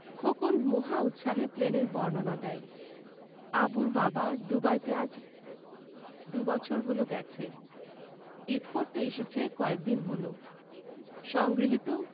খোকন মহা উৎসাহে প্লেনের বর্ণনা দেয় আবুর বাবা দুবাইতে আজ দুবছর হলো গেছে ঈদ করতে এসেছে কয়েকদিন হলো সংগৃহীত